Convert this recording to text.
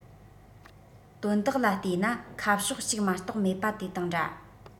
དོན དག ལ བལྟས ན ཁ ཕྱོགས གཅིག མ གཏོགས མེད པ དེ དང འདྲ